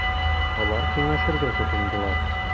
Алар киңәшергә тотындылар.